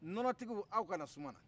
nɔnɔtigiw aw ka na suma na